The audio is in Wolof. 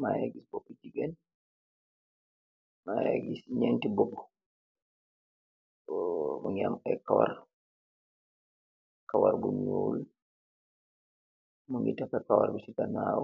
Magi giss bopa jigeen mageh giss neent ti bopa mogi aam ay karaaw karaaw bu nuul mogi taka karaaw bi si ganaw